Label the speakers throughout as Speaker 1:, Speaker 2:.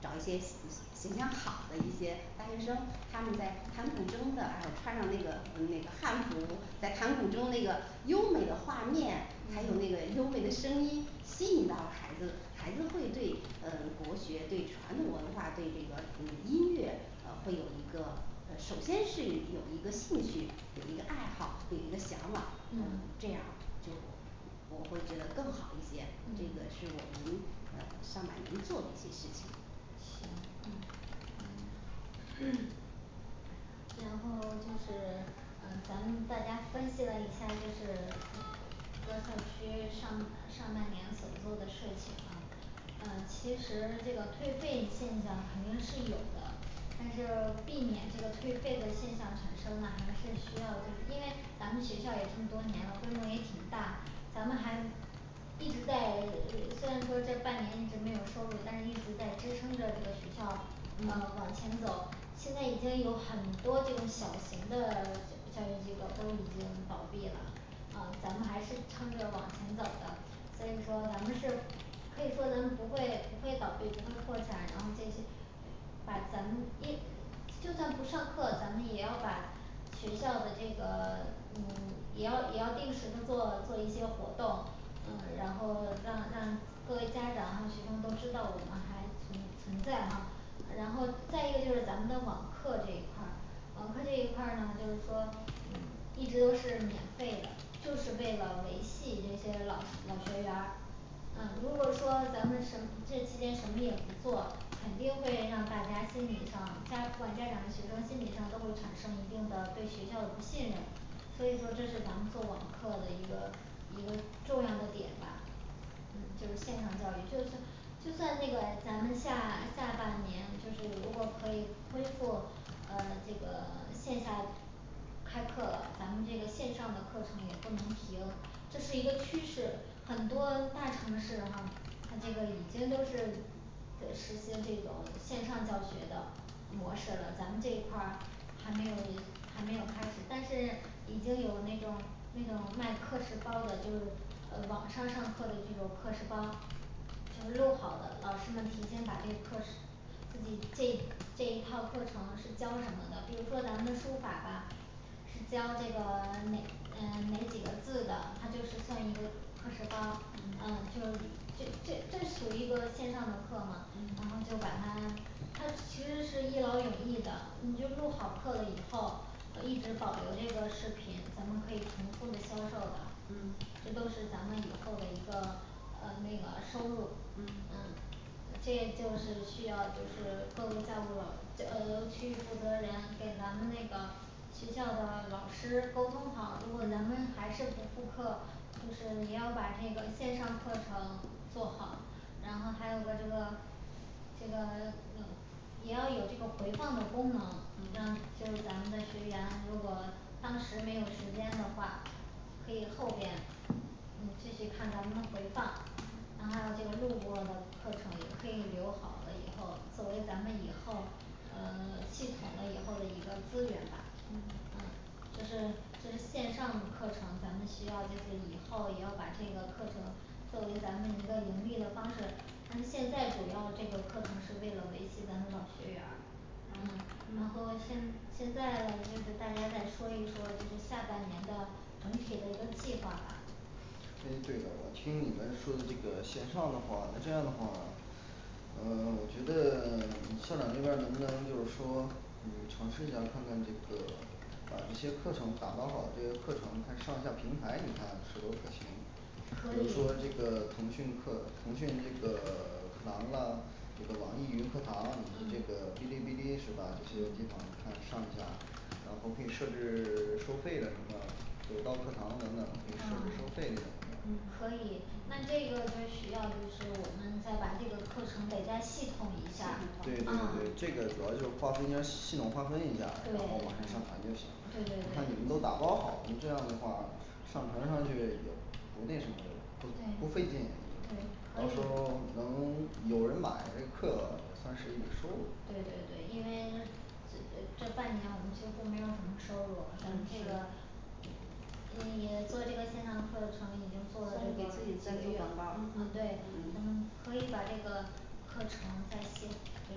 Speaker 1: 找一些形形形象好的一些大学生，他们在弹古筝的还有穿上那个那个汉服，在弹
Speaker 2: 嗯
Speaker 1: 古筝那个优美的画面，还有
Speaker 2: 嗯
Speaker 1: 那个优美的声音吸引到了孩子孩子会对呃国学对传统文化、对这个音乐呃会有一个呃首先是有一个兴趣，有一个爱好，有一个向往，嗯
Speaker 2: 嗯
Speaker 1: 这样就我会觉得更好一些，这
Speaker 2: 嗯
Speaker 1: 个是我们呃上面儿能做的一些事情。
Speaker 2: 行。
Speaker 1: 嗯
Speaker 2: 嗯 然后就是嗯咱们大家分析了一下就是各校区上上半年所做的事情啊，嗯其实这个退费现象肯定是有的但是避免这个退费的现象产生呢还是需要就是因为咱们学校也这么多年了，规模也挺大，咱们还一直在 虽然说这半年一直没有收入，但是一直在支撑着这个学校呃往
Speaker 3: 嗯
Speaker 2: 前走，现在已经有很多这种小型的教育教育机构都已经倒闭了，啊咱们还是撑着往前走的所以说咱们是可以说咱们不会不会倒闭，不会破产，然后这些把咱们也就算不上课，咱们也要把学校的这个 嗯也要也要定时的做做一些活动，嗯然后让让各位家长还有学生都知道我们还存存在哈然后再一个就是咱们的网课这一块儿，网课这一块儿呢就是说嗯一直都是免费的，就是为了维系这些老老学员儿嗯如果说咱们什这期间什么也不做，肯定会让大家心理上家不管家长和学生心理上都会产生一定的对学校的不信任所以说这是咱们做网课的一个一个重要的点吧。嗯就是线上教育。 就算就算那个咱们下下半年就是如果可以恢复呃这个 线下开课了，咱们这个线上的课程也不能停这是一个趋势，很多大城市哈他这个已经都是的实行这种线上教学的模式了，咱们这一块儿还没有人还没有开始，但是已经有那个那种卖课时包的，就是网上上课的这种课时包就是录好的老师们提前把这个课时自己这这一套课程是教什么的，比如说咱们的书法吧是教这个哪嗯哪几个字的，它就是算一个课时包儿
Speaker 3: 嗯，
Speaker 2: 嗯就这这这属于一个线上的课嘛，然
Speaker 3: 嗯
Speaker 2: 后就把它它其实是一劳永逸的，你就录好课了以后一直保留这个视频，咱们可以重复的销售的
Speaker 3: 嗯，
Speaker 2: 这都是咱们以后的一个呃那个收入
Speaker 3: 嗯
Speaker 2: 嗯这就是需要就是各位教务老教呃区域负责人给咱们那个学校的老师沟通好，如果咱
Speaker 3: 嗯
Speaker 2: 们还是不复课，就是也要把这个线上课程做好，然后还有个这个这个 也要有这个回放的功能，让
Speaker 3: 嗯
Speaker 2: 就是咱们的学员如果当时没有时间的话可以后边嗯继续看咱们的回放，
Speaker 3: 嗯
Speaker 2: 然后这个录过的课程也可以留好了以后，作为咱们以后呃 系统的以后的一个资源吧
Speaker 3: 嗯
Speaker 2: 嗯这是这是线上课程咱们需要就是以后也要把这个课程作为咱们一个盈利的方式，但是现在主要这个课程是为了维系咱们老学员儿。嗯
Speaker 3: 嗯
Speaker 2: 然后现现在就是大家再说一说下这个半年的整体的一个计划吧
Speaker 4: 哎对了我听你们说的这个线上的话，那这样的话，嗯 我觉得 你校长这边儿能不能就是说嗯尝试一下儿看看这个把这些课程打包好，这个课程开始上架平台你看是否可行
Speaker 2: 可
Speaker 4: 比如
Speaker 2: 以
Speaker 4: 说这个腾讯课腾讯这个 课堂啦这个网易云课堂以及这
Speaker 2: 嗯
Speaker 4: 个哔哩哔哩是吧？这些地
Speaker 2: 嗯
Speaker 4: 方你看上一下，然后可以设置 收费的什么有高课堂等等，可以设置收
Speaker 2: 嗯
Speaker 4: 费这种
Speaker 3: 嗯
Speaker 4: 的
Speaker 2: 可以那
Speaker 3: 嗯
Speaker 2: 这个就需要就是我们再把这个课程得再系统一下儿
Speaker 4: 对
Speaker 3: 系
Speaker 4: 对
Speaker 3: 统化
Speaker 2: 啊
Speaker 4: 对这个主要就是划分一下儿系统划分一下儿
Speaker 3: 嗯
Speaker 4: 然后网上
Speaker 2: 对
Speaker 4: 上传就
Speaker 3: 嗯
Speaker 4: 行
Speaker 2: 对对
Speaker 4: 我看你
Speaker 2: 对
Speaker 4: 们都打包好了。 您这样的话上传上去也不那什么也不不
Speaker 2: 对
Speaker 4: 费劲
Speaker 2: 对
Speaker 4: 也不到
Speaker 2: 可
Speaker 4: 时
Speaker 2: 以
Speaker 4: 候儿能有人买这课也算是一笔收入
Speaker 2: 对对对因为这呃这半年我们几乎没有什么收入
Speaker 3: 嗯
Speaker 2: 这
Speaker 3: 是
Speaker 2: 个 你也做这个线上课程已经做了这个几个月了，嗯
Speaker 3: 嗯
Speaker 2: 对
Speaker 3: 嗯
Speaker 2: 嗯可以把这个课程再细就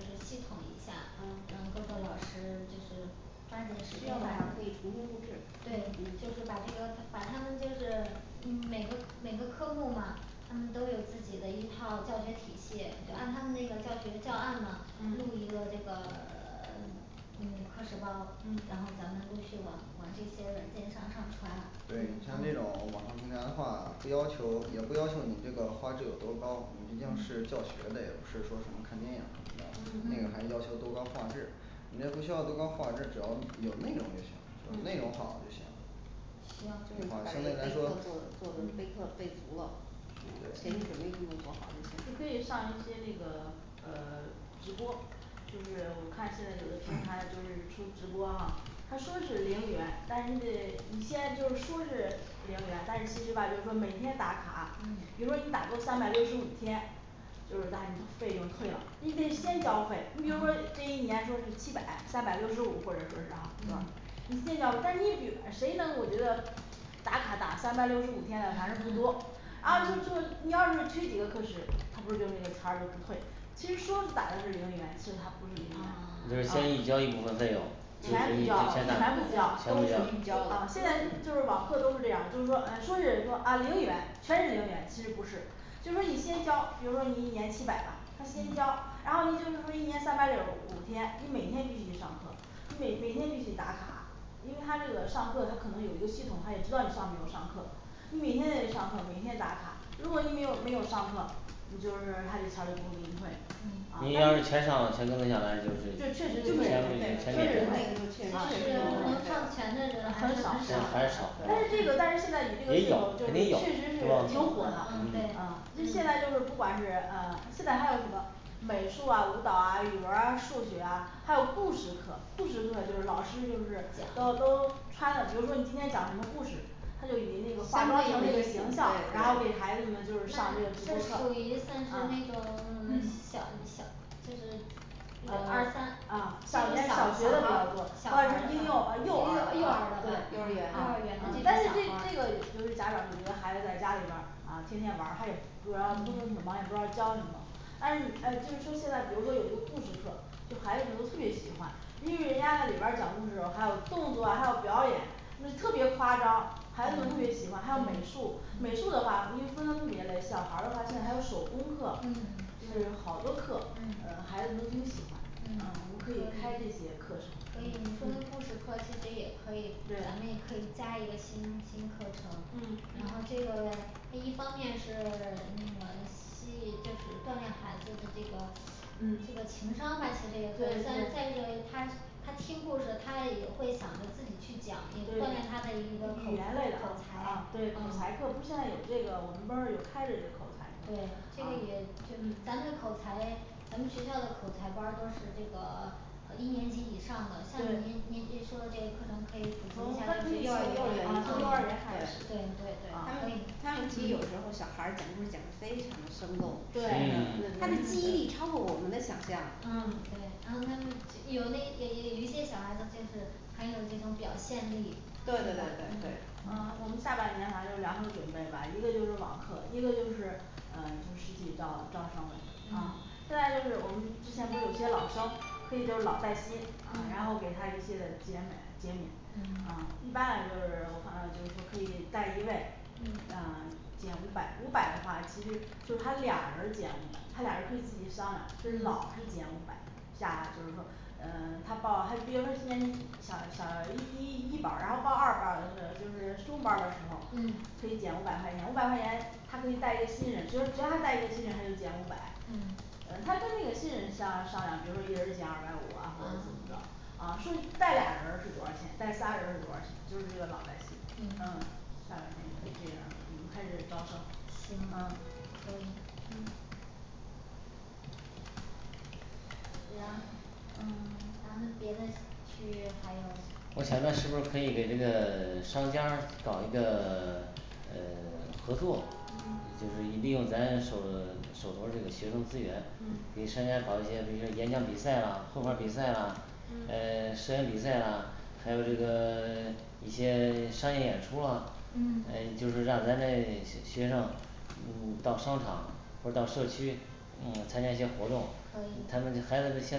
Speaker 2: 是系统一下，让各个老师就是抓紧时
Speaker 3: 需
Speaker 2: 间
Speaker 3: 要把它可以重新录制
Speaker 2: 对，
Speaker 3: 嗯
Speaker 2: 就是把这个把他们就是每个每个科目儿嘛他们都有自己的一套教学体系，就按
Speaker 3: 嗯
Speaker 2: 他们那个教学教案嘛
Speaker 3: 嗯
Speaker 2: 录一个这个 嗯课时包，然
Speaker 3: 嗯
Speaker 2: 后咱们陆续往往这些软件上上传
Speaker 4: 对
Speaker 2: 嗯
Speaker 4: 像这
Speaker 2: 嗯
Speaker 4: 种网上平台的话不要求也不要求你这个画质有多高你一定是这教学的呀，也不是说什么看电影儿这
Speaker 2: 嗯
Speaker 4: 个还要求多高画质，人家不需要多高画质，只要有内容就行，
Speaker 3: 嗯
Speaker 4: 内容
Speaker 3: 嗯
Speaker 4: 好就行。
Speaker 1: 就是
Speaker 4: 这
Speaker 2: 行
Speaker 4: 个的话
Speaker 1: 还得
Speaker 4: 相对来
Speaker 1: 备课做
Speaker 4: 说
Speaker 1: 做备课备足了所以准备工作做好
Speaker 3: 你可
Speaker 1: 就行
Speaker 3: 以上一些那个呃 直播，就是我看现在有的平台 就是出直播哈他说是零元，但是你得你先就是说是零元，但是其实吧就是说每天打卡，比如
Speaker 2: 嗯
Speaker 3: 说你打够三百六十五天就是把你的费用退了，你得先交费，你比如说这一年就是七百三百六十五或者说是哈是吧
Speaker 2: 嗯
Speaker 3: 你先缴费，但是你比谁能我觉得打卡打三百六十五天嘞反 正不多，啊就是就
Speaker 2: 嗯
Speaker 3: 是你要是缺几个课时，他不是就那个钱儿就不退其实说是打的是零元，其实它不是零元
Speaker 2: 啊
Speaker 5: 就是先
Speaker 3: 嗯
Speaker 5: 移交一部分费用
Speaker 3: 全部交全部交，
Speaker 5: 全
Speaker 1: 嗯
Speaker 5: 部
Speaker 1: 预
Speaker 5: 交
Speaker 1: 交了
Speaker 3: 嗯现在就是网课都是这样儿就是呃说是说啊零元全是零元，其实不是就是说你先交，比如说你一年七百吧他先交
Speaker 2: 嗯，
Speaker 3: 然后你就是说一年三百六十五天，你每天必须上课，你每每天必须打卡因为他这个上课他可能有一个系统，他也知道你上没有上课，你每天得上课每天打卡，如果你没有没有上课，你就是他这钱儿就不会给你退
Speaker 5: 你
Speaker 2: 嗯
Speaker 5: 要是全上了全都跟下来，就是
Speaker 3: 这
Speaker 5: 就全
Speaker 3: 确实
Speaker 5: 部
Speaker 3: 退
Speaker 5: 全免是
Speaker 3: 确实
Speaker 5: 吗
Speaker 3: 退
Speaker 2: 即使能挣钱的
Speaker 3: 啊
Speaker 2: 人还是
Speaker 3: 很
Speaker 2: 很
Speaker 3: 少
Speaker 5: 很
Speaker 2: 少
Speaker 5: 少
Speaker 2: 的
Speaker 3: 但是这个但是现在以这个
Speaker 5: 也
Speaker 3: 噱头
Speaker 5: 有
Speaker 3: 就
Speaker 5: 肯
Speaker 3: 是
Speaker 5: 定有
Speaker 3: 确实是挺火的，
Speaker 2: 嗯
Speaker 3: 嗯
Speaker 2: 对，
Speaker 3: 因为现
Speaker 2: 嗯
Speaker 3: 在不管是呃现在还有什么美术啊舞蹈啊语文儿啊数学啊还有故事课，故事课就是老师就是都要
Speaker 2: 讲
Speaker 3: 都穿的，比如说你今天讲什么故事他就以那个化
Speaker 1: 相
Speaker 3: 妆成那
Speaker 1: 比
Speaker 3: 个形
Speaker 1: 于
Speaker 3: 象，然
Speaker 1: 对
Speaker 3: 后给孩
Speaker 1: 对
Speaker 3: 子们就
Speaker 2: 那
Speaker 3: 是上这个直播
Speaker 2: 这属
Speaker 3: 课，
Speaker 2: 于就算是那种 小小就是一
Speaker 3: 嗯
Speaker 2: 二三
Speaker 3: 啊小年小学的比较多，他是婴幼
Speaker 2: 幼
Speaker 3: 儿呃
Speaker 2: 幼
Speaker 3: 幼儿
Speaker 2: 儿的
Speaker 3: 的，
Speaker 1: 幼
Speaker 2: 幼
Speaker 1: 儿
Speaker 3: 对
Speaker 2: 儿，
Speaker 1: 园
Speaker 2: 园
Speaker 3: 啊
Speaker 2: 的这种
Speaker 3: 但是
Speaker 2: 小孩儿
Speaker 3: 这个这个家长就觉得孩子在家里边儿啊天天玩儿他也不然后工作挺忙，也不知道教什么，但是你哎就是说现在比如说有一个故事课就孩子们都特别喜欢，因为人家那里边儿讲故事，还有动作啊，还有表演，那特别夸张孩子们特
Speaker 2: 嗯
Speaker 3: 别喜欢，还有美
Speaker 2: 对
Speaker 3: 术美术
Speaker 2: 嗯
Speaker 3: 的话，因为分的特别累，小孩儿的话现在还有手工课
Speaker 2: 嗯，
Speaker 3: 就是好多课
Speaker 2: 嗯
Speaker 3: 呃孩子们都挺喜欢嗯
Speaker 2: 嗯
Speaker 3: 我们可
Speaker 2: 可以可
Speaker 3: 以开这
Speaker 2: 以
Speaker 3: 些课程嗯
Speaker 2: 你说的
Speaker 3: 嗯
Speaker 2: 故事课，其实也可以咱们
Speaker 3: 对
Speaker 2: 也可以加一个新新课程
Speaker 3: 嗯，
Speaker 2: 然后这
Speaker 3: 嗯
Speaker 2: 个嘞它一方面是 那个可以就是锻炼孩子的这个这
Speaker 3: 嗯
Speaker 2: 个情商吧其实也可以
Speaker 3: 对
Speaker 2: 算
Speaker 3: 对
Speaker 2: 在这个他他听故事他也会想着自己去讲，也锻炼
Speaker 3: 对
Speaker 2: 他的一个口
Speaker 3: 语
Speaker 2: 风
Speaker 3: 言类的呃，啊对口
Speaker 2: 口才，嗯
Speaker 3: 才课不现在有这个，我们班儿有开了这个口才
Speaker 2: 对
Speaker 3: 课啊，
Speaker 2: 这个也就咱
Speaker 3: 嗯
Speaker 2: 这口才咱们学校的口才班儿都是这个 呃一年级以上的，像
Speaker 3: 对
Speaker 2: 您您这说的这个课程可以普
Speaker 3: 从
Speaker 2: 及一下
Speaker 3: 他
Speaker 2: 儿就
Speaker 3: 可
Speaker 2: 是，
Speaker 3: 以
Speaker 2: 幼
Speaker 1: 幼
Speaker 3: 从
Speaker 2: 儿
Speaker 1: 儿园
Speaker 2: 园
Speaker 3: 啊从幼
Speaker 2: 啊
Speaker 3: 儿园
Speaker 1: 就开
Speaker 3: 开始
Speaker 1: 始
Speaker 2: 对对对
Speaker 3: 啊
Speaker 1: 他们那，
Speaker 3: 嗯
Speaker 2: 可
Speaker 1: 他们
Speaker 2: 以
Speaker 1: 其实有时候小孩儿讲故事讲得非常的生
Speaker 3: 对
Speaker 1: 动，
Speaker 3: 对
Speaker 1: 嗯，他
Speaker 5: 嗯
Speaker 1: 的记
Speaker 3: 对
Speaker 1: 忆力超过我们的想象
Speaker 2: 嗯对
Speaker 3: 嗯，
Speaker 2: 然后他们就有那也也有一些小孩子就是很有这种表现力，对
Speaker 1: 对对对
Speaker 2: 吧
Speaker 1: 对
Speaker 2: 嗯
Speaker 1: 对
Speaker 3: 嗯我们下半年还是有两手儿准备吧，一个就是网课一个就是呃就实际招招生了啊
Speaker 2: 嗯
Speaker 3: 现在就是我们之前不是有些老生可以就是老带新啊，
Speaker 2: 嗯
Speaker 3: 然后给他一些的减满减免，嗯
Speaker 2: 嗯
Speaker 3: 一般嘞就是我们就是说可以带一位嗯
Speaker 2: 嗯
Speaker 3: 减五百，五百的话，其实就是他俩人儿减五百，他俩人儿可以自己商量是老
Speaker 2: 嗯
Speaker 3: 是减五百下就是说嗯他报他比如说今年小小一一一班儿，然后报二班儿，是就是中班儿的时候
Speaker 2: 嗯
Speaker 3: 可以减五百块钱五百块钱他可以带一个新人，只要只要他带一个新人他就减五百
Speaker 2: 嗯
Speaker 3: 呃他跟那个新人商商量，比如说一人儿减二百五啊或者怎么
Speaker 2: 啊
Speaker 3: 着嗯说带俩人儿是多少儿钱，带仨人儿是多少儿钱，就是这个老带新嗯
Speaker 2: 嗯
Speaker 3: 下半年就可以这样，我们开始招生
Speaker 2: 行
Speaker 3: 嗯
Speaker 2: 可以
Speaker 1: 嗯
Speaker 2: 然后嗯然后那别的区域还有
Speaker 5: 我想再说出一个这个 商家儿搞一个 呃 合作
Speaker 2: 嗯，
Speaker 5: 就是一利用咱手手头儿这个学生资源，
Speaker 2: 嗯
Speaker 5: 给商家搞一些这个演讲比赛啊绘画儿
Speaker 2: 嗯
Speaker 5: 比赛啦
Speaker 2: 嗯
Speaker 5: 呃实验比赛啦还有这
Speaker 2: 嗯
Speaker 5: 个 一些商业演出啊
Speaker 2: 嗯
Speaker 5: 诶就是让咱的学生嗯 到商场或者到社区嗯参加一些活动他
Speaker 2: 可以
Speaker 5: 们这孩子的现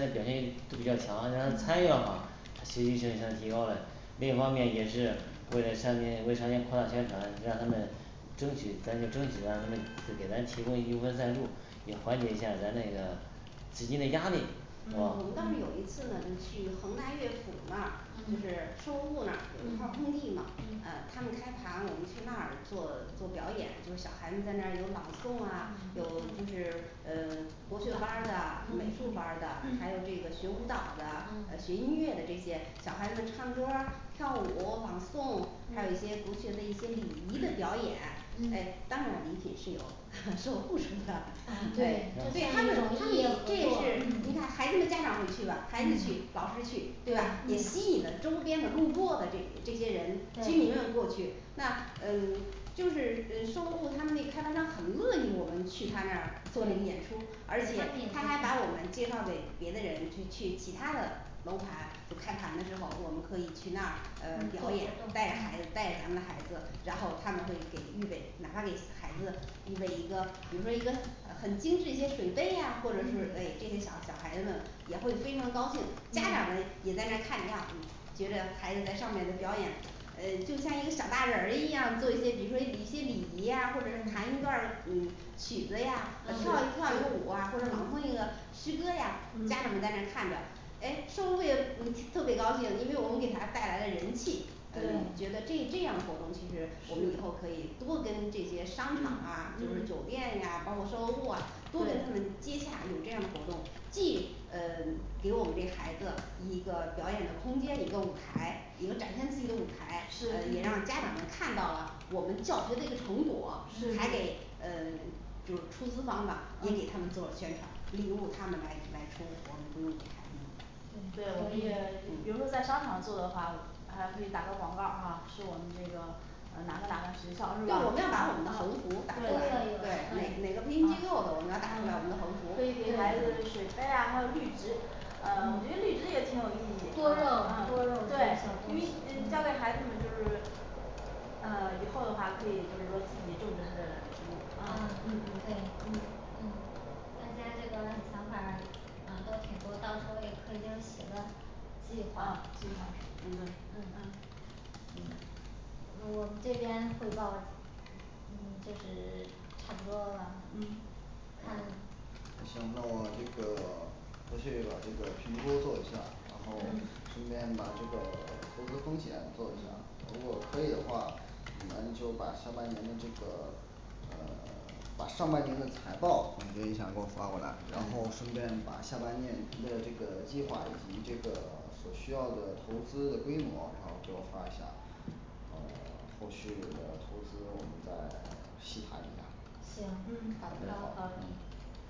Speaker 5: 在表现欲都比较强，让他参与
Speaker 2: 嗯
Speaker 5: 了嘛学习效率上提高了。另一方面也是为了向你微信圈儿扩大宣传就让他们争取咱就争取让他们给咱提供一部分赞助，也缓解一下儿咱那个资金嘞压力
Speaker 2: 嗯
Speaker 5: 是
Speaker 1: 我们
Speaker 5: 吧
Speaker 1: 当
Speaker 2: 嗯
Speaker 1: 时有一次呢就是去恒大乐府嘛
Speaker 2: 嗯
Speaker 1: 就是售楼部那儿有一块儿
Speaker 2: 嗯
Speaker 1: 空地嘛，
Speaker 2: 嗯
Speaker 1: 嗯他们开盘我们去那儿做做表演，就小孩子在那有朗诵啊
Speaker 2: 嗯
Speaker 1: 有就
Speaker 2: 嗯
Speaker 1: 是嗯国学班儿的啊美
Speaker 2: 嗯
Speaker 1: 术班儿的，还有这个学舞蹈的，嗯
Speaker 2: 嗯
Speaker 1: 学音乐的这些小孩子们唱歌儿跳舞、朗诵，还有一些
Speaker 2: 嗯
Speaker 1: 国学的一些礼仪的表 演，诶
Speaker 2: 嗯
Speaker 1: 当然礼品是有说不出的，
Speaker 2: 嗯 对
Speaker 1: 所
Speaker 2: 这
Speaker 1: 以他
Speaker 2: 算
Speaker 1: 们
Speaker 2: 一种合
Speaker 1: 他们也建议
Speaker 2: 作
Speaker 1: 是你看
Speaker 3: 嗯
Speaker 1: 孩子们家长会去吧，孩子去
Speaker 3: 嗯
Speaker 1: 老师去对吧？也
Speaker 2: 对
Speaker 1: 吸引了周边的路过的这这些人，居民
Speaker 2: 对
Speaker 1: 们过去，那嗯就是呃售楼部他们那开发商很乐意我们去他那儿做一个演
Speaker 2: 对
Speaker 1: 出，而且
Speaker 2: 他们
Speaker 1: 他还
Speaker 2: 也
Speaker 1: 把我们介绍给别的人去，去其他的楼盘就开盘的时候，我们可以去那儿呃表
Speaker 2: 嗯
Speaker 1: 演，带着孩子
Speaker 2: 嗯
Speaker 1: 带着咱们的孩子，然后他们会给预备哪怕给孩子预备一个比如说一个呃很精致一些水杯啊，或者是
Speaker 3: 嗯
Speaker 1: 为这些小小孩子们也会非常高兴，家长
Speaker 3: 嗯
Speaker 1: 们也在那儿看一下，觉着孩子在上面的表演呃就像一个小大人儿一样，做一些比如说一一些礼仪呀，或者是弹一段儿嗯曲子呀跳
Speaker 3: 对
Speaker 1: 一跳一支
Speaker 3: 对
Speaker 1: 舞呀或者朗诵一个诗歌呀，
Speaker 2: 嗯
Speaker 1: 家长们在那儿看着，诶售楼部也嗯特别高兴，因为我们给他带来了人气
Speaker 3: 对
Speaker 1: 我觉得这这样的活动其实我们以后
Speaker 3: 是
Speaker 1: 可以多跟这些商场 啊就是
Speaker 3: 嗯
Speaker 1: 酒店呀，包括售楼部啊都跟他
Speaker 3: 对
Speaker 1: 们接洽，有这样的活动既呃 给我们这孩子一个表演的空间，一个舞台，一个展现自己的舞台，呃也
Speaker 3: 是
Speaker 1: 让
Speaker 2: 嗯
Speaker 1: 家长们看到了我们教学的一个成果
Speaker 3: 是，
Speaker 1: 还
Speaker 2: 嗯
Speaker 1: 给
Speaker 3: 是
Speaker 1: 呃 就出资方吧也给
Speaker 3: 嗯
Speaker 1: 他们做了宣传，礼物他们来来出我们就是给孩子们
Speaker 2: 对
Speaker 3: 对，我
Speaker 2: 可
Speaker 3: 们
Speaker 2: 以
Speaker 3: 也比如说在商场做的话，还可以打个广告儿哈是我们这个哪个哪个学校是
Speaker 1: 对我们要
Speaker 3: 吧
Speaker 1: 把我们的横
Speaker 3: 嗯
Speaker 1: 幅
Speaker 2: 都要有
Speaker 1: 打出
Speaker 3: 对
Speaker 1: 来，对哪个哪个
Speaker 2: 嗯
Speaker 1: 培训机构
Speaker 3: 嗯，
Speaker 1: 我们要打出来我们的
Speaker 3: 嗯
Speaker 1: 横幅
Speaker 3: 可以给孩子
Speaker 2: 对
Speaker 3: 们水杯啊还有绿植呃我觉得绿植也挺有意义嗯
Speaker 2: 多肉多
Speaker 3: 嗯
Speaker 2: 肉
Speaker 3: 对，因为一交给孩子们就是呃 以后的话可以就是说自己种植它的植物啊，
Speaker 2: 嗯
Speaker 3: 嗯嗯嗯
Speaker 2: 嗯大家这个想法儿啊都挺多，到时候也可以就是写个计划
Speaker 3: 啊
Speaker 2: 嗯
Speaker 3: 对嗯
Speaker 4: 嗯
Speaker 2: 我们这边汇报嗯就是 差不多了
Speaker 3: 嗯
Speaker 2: 看
Speaker 4: 行那我这个 回去把这个评估做一下，然后
Speaker 2: 嗯
Speaker 4: 顺便把这个投资风险做一下
Speaker 3: 嗯
Speaker 4: 如果可以的话，你们就把上半年的这个呃 把上半年的财报总结一下给我发过来，然后
Speaker 2: 嗯
Speaker 4: 顺便把下半年的这个计划以及这个 所需要的投资的规模然后给我发一下。呃 后续的投资我们再 细谈一下
Speaker 2: 行好
Speaker 3: 好
Speaker 2: 的
Speaker 1: 好
Speaker 4: 嗯